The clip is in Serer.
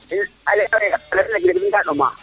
a ley a kida ke den ka ɗoma